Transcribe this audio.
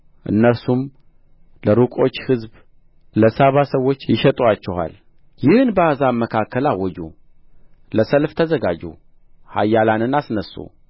እነርሱም ለሩቆቹ ሕዝብ ለሳባ ሰዎች ይሸጡአችኋል ይህን በአሕዛብ መካከል አውጁ ለሰልፍ ተዘጋጁ ኃያላንን አስነሡ